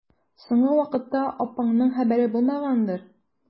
Соңгы вакытта апаңның хәбәре булмагандыр?